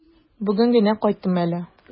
Бүген генә кайттым әле.